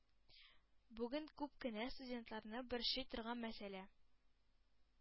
Бүген күп кенә студентларны борчый торган мәсьәлә